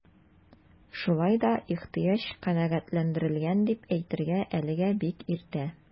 Шулай да ихтыяҗ канәгатьләндерелгән дип әйтергә әлегә бик иртә.